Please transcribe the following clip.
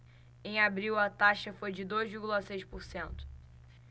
em abril a taxa foi de dois vírgula seis por cento